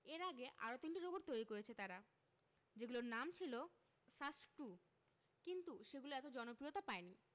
এর আগে আরও তিনটি রোবট তৈরি করেছে তারা যেগুলোর নাম ছিল সাস্ট টু কিন্তু সেগুলো এত জনপ্রিয়তা পায়নি